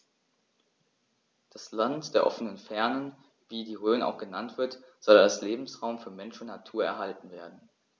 Das „Land der offenen Fernen“, wie die Rhön auch genannt wird, soll als Lebensraum für Mensch und Natur erhalten werden.